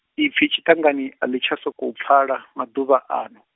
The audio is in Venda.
ipfi tshiṱangani, a ḽi tsha sokou pfala, maḓuvha ano.